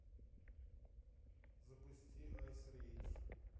запусти айс рейдж